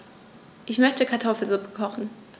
Ich möchte Kartoffelsuppe kochen.